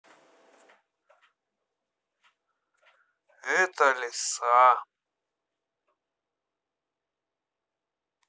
это лиса